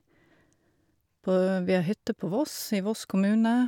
på Vi har hytte på Voss, i Voss kommune.